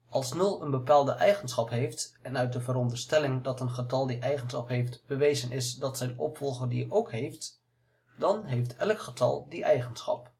Als nul een bepaalde eigenschap heeft en uit de veronderstelling dat een getal die eigenschap heeft, bewezen is dat zijn opvolger die ook heeft, dan heeft elk getal die eigenschap